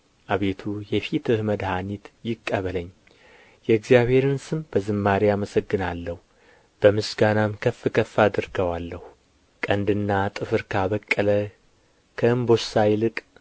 አቤቱ የፊትህ መድኃኒት ይቀበለኝ የእግዚአብሔርን ስም በዝማሬ አመሰግናለሁ በምስጋናም ከፍ ከፍ አደርገዋለሁ ቀንድና ጥፍር ካበቀለ ከእምቦሳ ይልቅ